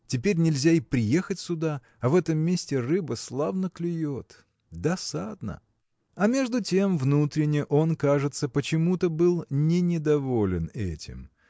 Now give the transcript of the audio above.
теперь нельзя и приехать сюда, а в этом месте рыба славно клюет. досадно! А между тем внутренне он кажется почему-то был не недоволен этим